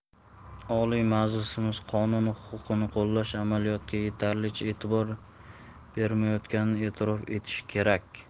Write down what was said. oliy majlisimiz qonunni huquqni qo'llash amaliyotiga yetarlicha e'tibor bermayotganini e'tirof etish kerak